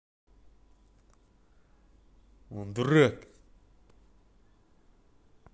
он дурак